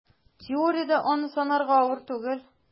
Теориядә аны санарга авыр түгел: